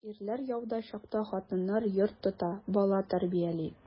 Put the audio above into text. Ирләр яуда чакта хатыннар йорт тота, бала тәрбияли.